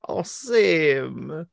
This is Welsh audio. O same!